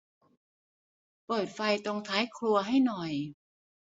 เปิดไฟตรงท้ายครัวให้หน่อย